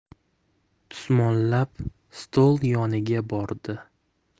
tusmollab stol yoniga bordi